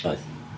Oedd.